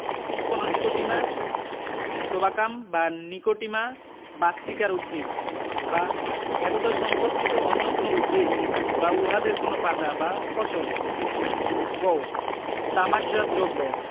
কোন নিকোটিমা টোবাকাম বা নিকোটিমা বাসটিকার উদ্ভিদ বা এতদ সম্পর্কিত অন্য কোন উদ্ভিদ বা উহাদের কোন পাতা বা ফসল গ তামাকজাত দ্রব্য